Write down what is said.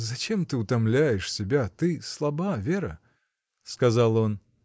— Зачем ты утомляешь себя, ты слаба, Вера? — сказал он.